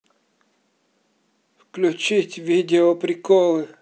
включить видео приколы